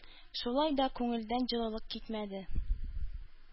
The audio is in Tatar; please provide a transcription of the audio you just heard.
Шулай да күңелдән җылылык китмәде.